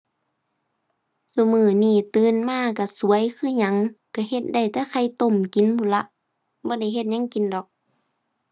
ซุมื้อนี้ตื่นมาก็สวยคือหยัง ก็เฮ็ดได้แต่ไข่ต้มกินพู้นล่ะ บ่ได้เฮ็ดหยังกินดอก